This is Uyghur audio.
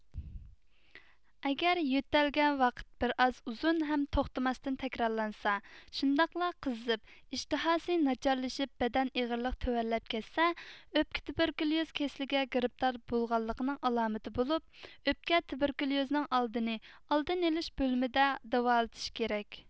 ئەگەر يۆتەلگەن ۋاقىت بىر ئاز ئۇزۇن ھەم توختىماستىن تەكرارلانسا شۇنداقلا قىزىپ ئىشتىھاسى ناچارلىشىپ بەدەن ئېغىرلىقى تۆۋەنلەپ كەتسە ئۆپكە تۇبېركۇلوز كېسىلىگە گىرىپتار بولغانلىقىنىڭ ئالامىتى بولۇپ ئۆپكە تۇبېركۇلوزىنىڭ ئالدىنى ئالدىنى ئېلىش بۆلۈمىدە داۋالىتىش كېرەك